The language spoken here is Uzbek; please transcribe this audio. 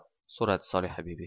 so'radi solihabibi